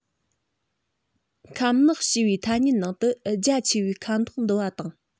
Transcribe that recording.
ཁམ ནག ཞེས པའི ཐ སྙད ནང དུ རྒྱ ཆེ བའི ཁ དོག འདུ བ དང